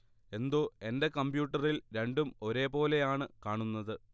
എന്തോ എന്റെ കമ്പ്യൂട്ടറിൽ രണ്ടും ഒരേ പോലെ ആണ് കാണുന്നത്